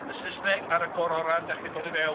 Y Saesneg ar y gororau yn dechrau dod i fewn.